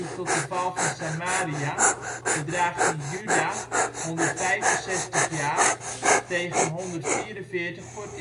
tot de val van Samaria bedraagt in Juda 165 jaar tegen 144 voor